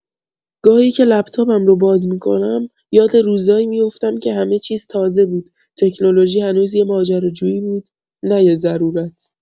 گاهی که لپ‌تاپم رو باز می‌کنم، یاد روزایی می‌افتم که همه چیز تازه بود، تکنولوژی هنوز یه ماجراجویی بود، نه یه ضرورت.